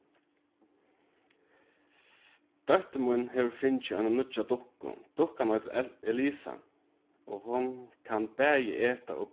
dóttir mín hevur fingið eina nýggja dukku dukkan eitur elisa og hon kann bæði eta og